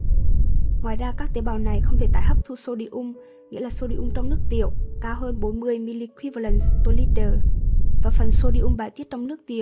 ngoài ra các tế bào này không thể tái hấp thu sodium nghĩa là nồng độ sodium trong nước tiểu cao hơn meq l và phần sodium bài tiết trong nước tiểu